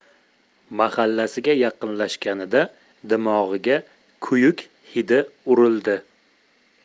mahallasiga yaqinlashganida dimog'iga kuyuk hidi urildi